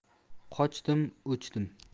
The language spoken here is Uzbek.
ko'chdim o'chdim